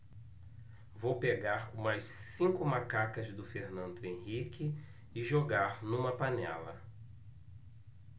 vou pegar umas cinco macacas do fernando henrique e jogar numa panela